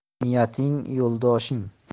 niyating yo'ldoshing